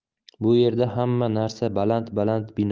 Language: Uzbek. bu yerda hamma narsa baland